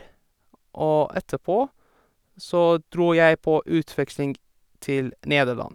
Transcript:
Og etterpå så dro jeg på utveksling til Nederland.